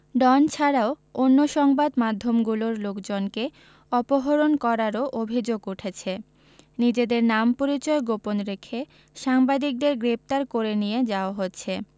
ডন ছাড়াও অন্য সংবাদ মাধ্যমগুলোর লোকজনকে অপহরণ করারও অভিযোগ উঠেছে নিজেদের নাম পরিচয় গোপন রেখে সাংবাদিকদের গ্রেপ্তার করে নিয়ে যাওয়া হচ্ছে